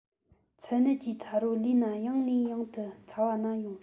ཚད ནད ཀྱི ཚ རོ ལུས ན ཡང ནས ཡང དུ ཚ བ ན ཡོང